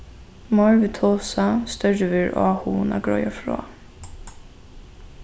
meir vit tosa størri verður áhugin at greiða frá